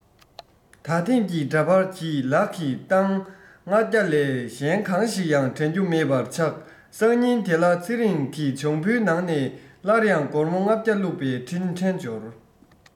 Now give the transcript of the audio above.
ཨ ཕའི མིག མདུན དུ སླར ཡང གོང གི འདྲ པར དེ བསམ བློ ཐོངས ནས